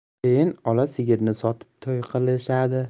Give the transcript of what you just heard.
keyin ola sigirni sotib to'y qilishadi